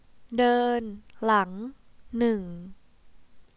เดินหลังหนึ่ง